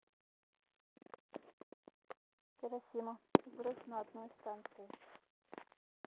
хиросима взрыв на одной станции